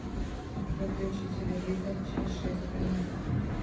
выключи телевизор через шесть минут